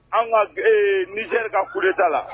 An ka mi ka foli taa la